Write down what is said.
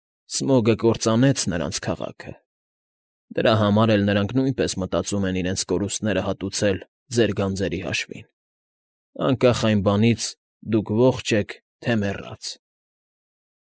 Սմոգը կործանեց նրանց քաղաքը, դրա համար էլ նրանք նույնպես մտածում են իրենց կորուստները հատուցել ձեր գանձերի հաշվին, անկախ այն բանից՝ դուք ո՞ղջ եք, թե մեռած։